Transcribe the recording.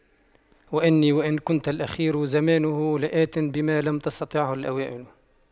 وإني وإن كنت الأخير زمانه لآت بما لم تستطعه الأوائل